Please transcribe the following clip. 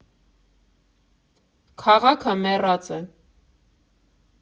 Քաղաքը մեռած է։